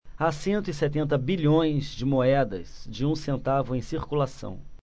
há cento e setenta bilhões de moedas de um centavo em circulação